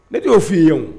Ne t y'o f' ii ye